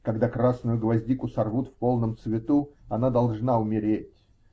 -- Когда красную гвоздику сорвут в полном цвету, она должна умереть.